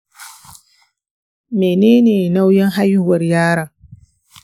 menene nauyin haihuwar yaron?